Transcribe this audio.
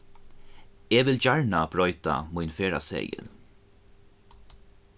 eg vil gjarna broyta mín ferðaseðil